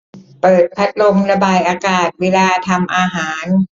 เปิดพัดลมระบายอากาศเวลาทำอาหาร